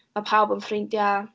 Ma' pawb yn ffrindiau.